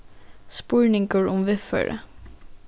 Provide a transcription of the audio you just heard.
spurningur um viðføri